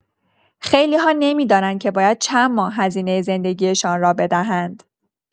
خیلی‌ها نمی‌دانند که باید چند ماه هزینه زندگی‌شان را بدهند.